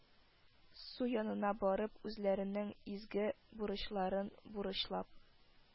Су янына барып үзләренең изге бурычларын бурычлап